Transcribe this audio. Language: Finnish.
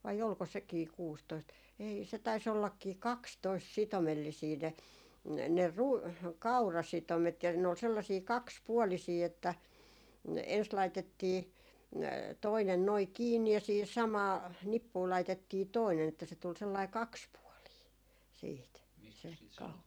vai oliko sekin kuusitoista ei se taisi ollakin kaksitoista sitomellisia ne ne - kaurasitomet ja ne oli sellaisia kaksipuolisia että ensin laitettiin toinen noin kiinni ja siihen samaan nippuun laitettiin toinen että se tuli sellainen kaksipuolinen sitten se -